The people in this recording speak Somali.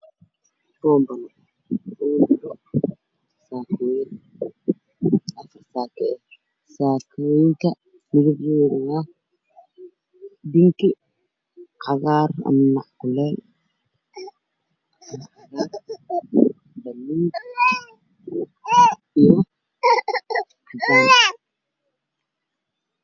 Dukan kaan waxaa dhaxyaalo labo boorso oo waa weyn